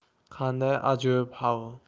qanday ajoyib havo